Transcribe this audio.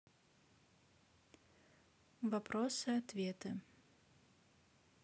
вопросы ответы